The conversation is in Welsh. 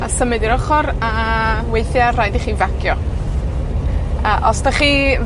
A symud i'r ochor, a weithia' rhaid i chi facio. a os 'dach chi